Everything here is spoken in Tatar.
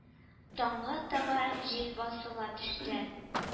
Таңга таба җил басыла төште